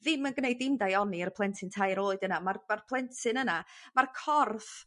ddim yn gneud dim daioni i'r plentyn tair oed yna ma'r ma'r plentyn yna ma'r corff